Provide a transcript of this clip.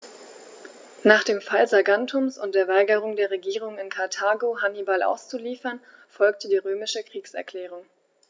Nach dem Fall Saguntums und der Weigerung der Regierung in Karthago, Hannibal auszuliefern, folgte die römische Kriegserklärung.